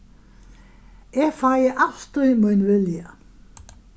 eg fái altíð mín vilja